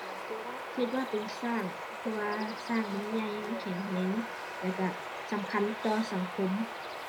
คิดว่าเป็นช้าง เพราะว่าช้างมันใหญ่ มันแข็งช้าง แล้วช้างสำคัญต่อสังคม